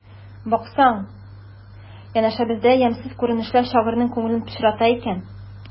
Баксаң, янәшәбездәге ямьсез күренешләр шагыйрьнең күңелен пычрата икән.